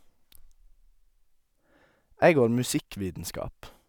Jeg går musikkvitenskap.